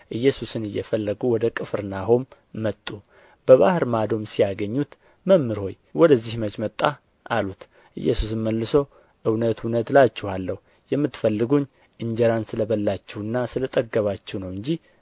ኢየሱስን እየፈለጉ ወደ ቅፍርናሆም መጡ በባሕር ማዶም ሲያገኙት መምህር ሆይ ወደዚህ መቼ መጣህ አሉት ኢየሱስም መልሶ እውነት እውነት እላችኋለሁ የምትፈልጉኝ እንጀራን ስለ በላችሁና ስለ ጠገባችሁ ነው እንጂ